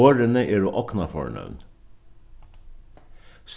orðini eru ognarfornøvn